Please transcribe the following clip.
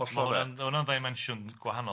Ma' hwnna'n ma' hwnna'n ddaimensiwn gwahanol.